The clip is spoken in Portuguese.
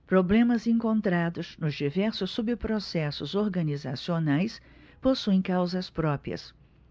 problemas encontrados nos diversos subprocessos organizacionais possuem causas próprias